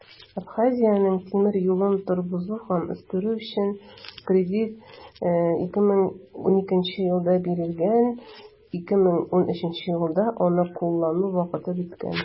Абхазиянең тимер юлын торгызу һәм үстерү өчен кредит 2012 елда бирелгән, 2013 елда аны куллану вакыты беткән.